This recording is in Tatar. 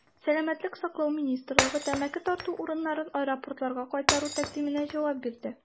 Сәламәтлек саклау министрлыгы тәмәке тарту урыннарын аэропортларга кайтару тәкъдименә җавап бирде.